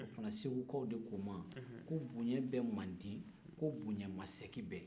o tumana segukaw de k'o ma bonya bɛ mande bonya masegin bɛ mande